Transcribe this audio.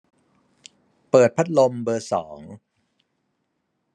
เปิดพัดลมเบอร์สอง